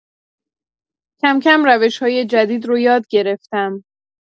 کم‌کم روش‌های جدید رو یاد گرفتم.